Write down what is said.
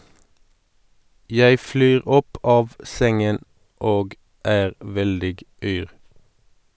- Jeg flyr opp av sengen og er veldig yr.